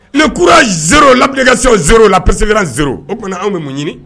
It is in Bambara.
Ne kura zo labilale ka se zo la psera z o tuma anw bɛ mun ɲini